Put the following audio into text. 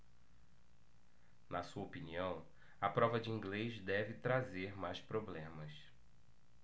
na sua opinião a prova de inglês deve trazer mais problemas